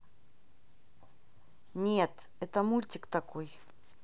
нет это мультик такой